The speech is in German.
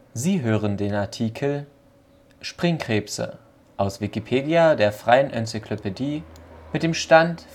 Sie hören den Artikel Springkrebse, aus Wikipedia, der freien Enzyklopädie. Mit dem Stand